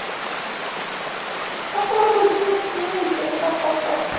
попробуй не засмейся